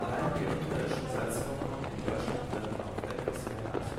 Allein die unterirdischen Salzvorkommen in Deutschland werden auf etwas mehr als